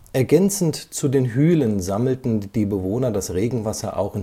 Ergänzend zu den Hülen sammelten die Bewohner das Regenwasser auch